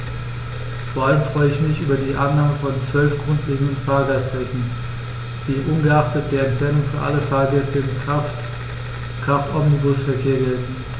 Vor allem freue ich mich über die Annahme von 12 grundlegenden Fahrgastrechten, die ungeachtet der Entfernung für alle Fahrgäste im Kraftomnibusverkehr gelten.